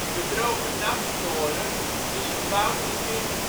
De Drogenapstoren is gebouwd in 1444-1446